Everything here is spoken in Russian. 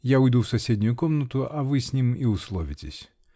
Я уйду в соседнюю комнату -- а вы с ним и условитесь.